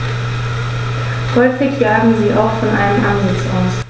Häufig jagen sie auch von einem Ansitz aus.